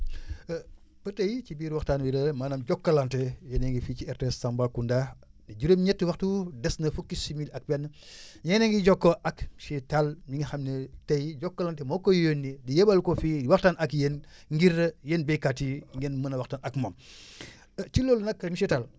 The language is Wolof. ba tey si biir waxtaan bi la maanaam Jokalante yéen a ngi fii ci RTS Tambacound juróom-ñetti waxtu des na fukki simili ak benn yéen a ngi jokkoo ak monsieur Tall mi nga xam ne tey Jokalante moo ko yónni yebal ko fii waxtaan ak yéen ngir yéen baykat yi ngeen mën a waxtaan ak moom si loolu nag monsieur Tall